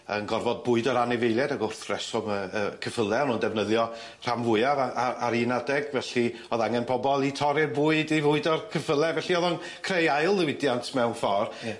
yn gorfod bwydo'r anifeilied ag wrth reswm y y cyffyle o'n nw'n defnyddio rhan fwyaf a- a- ar un adeg felly o'dd angen pobol i torri'r bwyd i fwydo'r cyffyle felly o'dd o'n creu ail ddiwydiant mewn ffor. Ie.